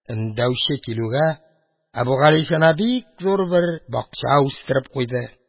Өндәүче килүгә, Әбүгалисина бик зур бер бакча үстереп куйды.